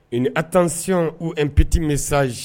U ni atansiy u npti minsaz